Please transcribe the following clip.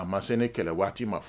A ma se ne kɛlɛ waati ma fɔ